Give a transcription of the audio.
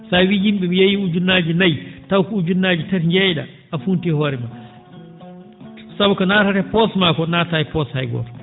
so a wiyii yim?e mi yeeyii ujunnaaje nayi taw ko ujunnaaje tati njeey?aa a funtii hoore ma sabu ko nanata e poos maa koo naatataa e poos hay gooto